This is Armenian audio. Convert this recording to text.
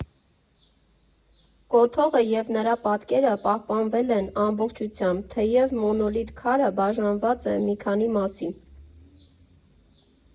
Կոթողը և նրա պատկերը պահպանվել են ամբողջությամբ, թեև մոնոլիթ քարը բաժանված է մի քանի մասի։